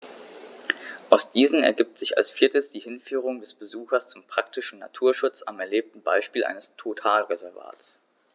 Aus diesen ergibt sich als viertes die Hinführung des Besuchers zum praktischen Naturschutz am erlebten Beispiel eines Totalreservats.